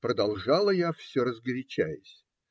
- продолжала я, все разгорячаясь.